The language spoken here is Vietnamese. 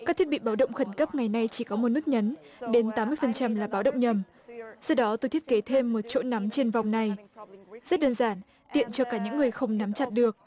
các thiết bị báo động khẩn cấp ngày nay chỉ có một nút nhấn đến tám mươi phần trăm là báo động nhầm sau đó tôi thiết kế thêm một chỗ nắm trên vòng này rất đơn giản tiện cho cả những người không nhắm chặt được